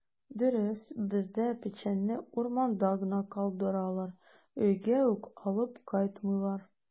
Дөрес, бездә печәнне урманда гына калдыралар, өйгә үк алып кайтмыйлар.